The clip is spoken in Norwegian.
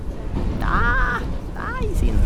Nei, nei, sier han.